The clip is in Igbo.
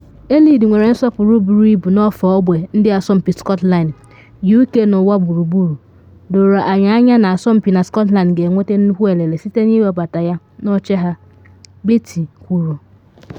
“Eilidh nwere nsọpụrụ buru ibu n’ofe ogbe ndị asọmpi Scotland, UK na ụwa gburugburu, doro anyị anya na asọmpi na Scotland ga-enweta nnukwu elele site na ịwebata ya n’oche ha,” Beattie kwuru.